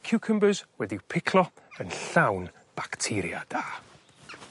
ciwcymbyrs wedi i'w piclo yn llawn bacteria da.